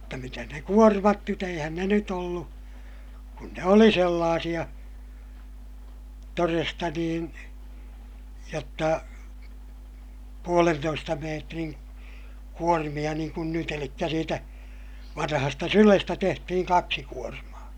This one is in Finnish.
mutta mitäs ne kuormat nyt eihän ne nyt ollut kun ne oli sellaisia todesta niin jotta puolentoista metrin kuormia niin kuin nyt eli siitä vanhasta sylestä tehtiin kaksi kuormaa